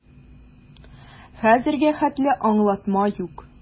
Хәзергә хәтле аңлатма юк.